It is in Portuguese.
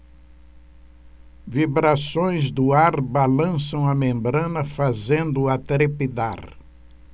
vibrações do ar balançam a membrana fazendo-a trepidar